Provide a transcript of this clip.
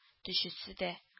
Төчесе дә